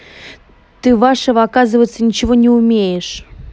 ты вашего оказывается ничего не умеешь